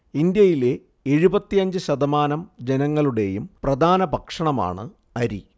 ഇന്ത്യയിലെ എഴുപത്തിയഞ്ച് ശതമാനം ജനങ്ങളുടേയും പ്രധാന ഭക്ഷണമാണ് അരി